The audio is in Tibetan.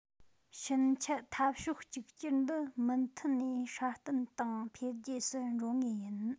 ཕྱིན ཆད འཐབ ཕྱོགས གཅིག གྱུར འདི མུ མཐུད ནས སྲ བརྟན དང འཕེལ རྒྱས སུ འགྲོ ངེས ཡིན